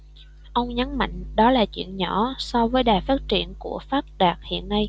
ông nhấn mạnh đó là chuyện nhỏ so với đà phát triển của phát đạt hiện nay